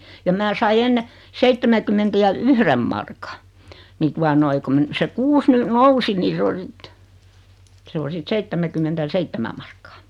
ja minä sain ennen seitsemänkymmentä ja yhden markan niin tuota noin kun - se kuusi nyt nousi niin se on sitten se on sitten seitsemänkymmentä ja seitsemän markkaa